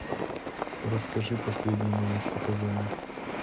расскажи последние новости в казани